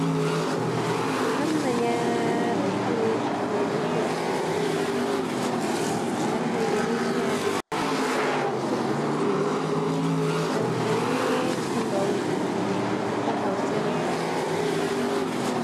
Amna nyaaari haleh ye jegain yu tonke se bang amna yenen nyari ye yu suku se souf am keeenen ku ndaw ku tahaw sene kanam.